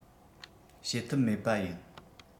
བྱེད ཐབས མེད པ ཡིན